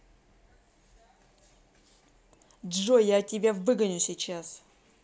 джой я тебя выгоню сейчас